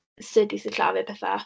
Sut i sillafu petha.